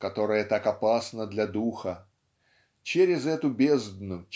которое так опасно для духа через эту бездну